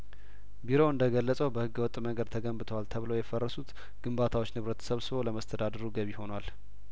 ቢሮው እንደገለጸው በህገወጥ መንገድ ተገንብተዋል ተብለው የፈረሱት ግንባታዎች ንብረት ተሰብስቦ ለመስተዳድሩ ገቢ ሆኗል